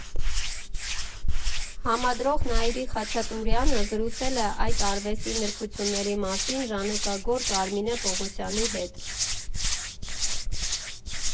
Համադրող Նայիրի Խաչատուրեանը զրուցել է այդ արվեստի նրբությունների մասին ժանեկագործ Արմինե Պողոսյանի հետ։